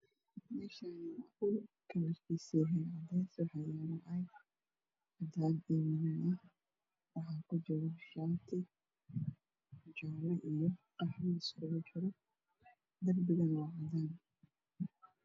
Meshaani waa dhuul kalarkiisu yahay cadees waxaa yala caag cadan iyo madoow ah waxaa ku jiro shati jaale iyo qaxwi iskugu jiro derbigana waa cadan